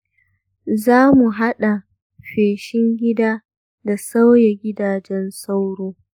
za mu haɗa feshin gida da sauya gidajen sauro.